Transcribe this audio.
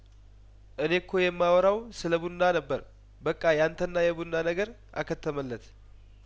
እኔ እኮ የማወራው ስለቡና ነበር በቃ ያንተና የቡና ነገር አከተመለት